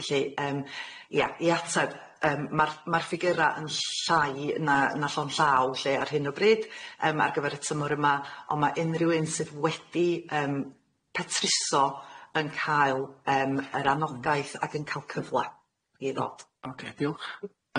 Felly yym ia i atab yym ma'r ma'r ffigyra yn llai na na llond llaw lly ar hyn o bryd yym ar gyfer y tymor yma on' ma' unrhyw un sydd wedi yym petruso yn cael yym yr anogaeth ag yn ca'l cyfle i ddod.